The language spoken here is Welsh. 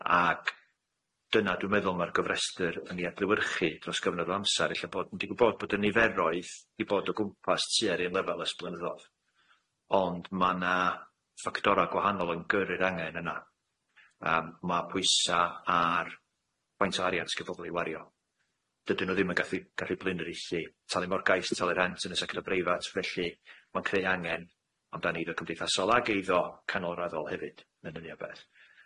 Ag dyna dwi'n meddwl ma'r gyfrestyr yn ei adlewyrchu dros gyfnod o amsar ella bod yn digwydd bod y niferoedd i bod o gwmpas tu ar yr un lefel ers blynyddodd ond ma' na ffactora' gwahanol yn gyrru'r angen yna, yym ma' pwysa ar faint o ariant gen pobol i wario, dydyn nw ddim yn gathu gathu blaenoriaethu talu morgais, talu rent yn y sector breifat felly ma'n creu angen ond dan ni fel cymdeithasol ag eiddo canolraddol hefyd yn hynny o beth.